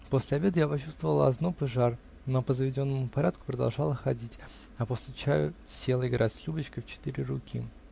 После обеда я почувствовала озноб и жар, но, по заведенному порядку, продолжала ходить, а после чаю села играть с Любочкой в четыре руки.